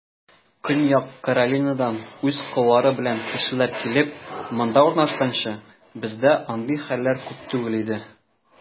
Көньяк Каролинадан үз коллары белән кешеләр килеп, монда урнашканчы, бездә андый хәлләр күп түгел иде.